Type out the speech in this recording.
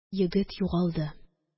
Егет югалды